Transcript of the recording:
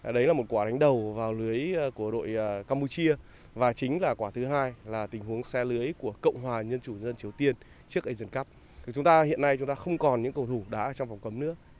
đấy là một quả đánh đầu vào lưới của đội ờ cam pu chia và chính là quả thứ hai là tình huống xé lưới của cộng hòa dân chủ nhân dân triều tiên trước ây si ần cắp thì chúng ta hiện nay chúng ta không còn những cầu thủ đá trong vòng cấm nữa